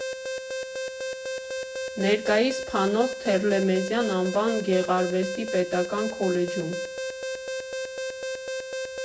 Ներկայիս Փանոս Թերլեմեզյան անվան գեղարվեստի պետական քոլեջում։